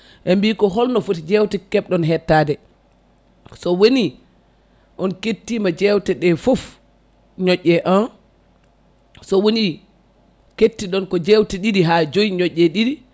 ɓe mbi ko holno footi jewte kebɗon hettade so woni on kettima jewteɗe foof ñoƴƴe 1 so woni kettiɗon ko ɗiɗi ha joyyi ñoƴƴe ɗiɗi